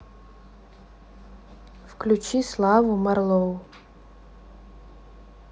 включи славу марлоу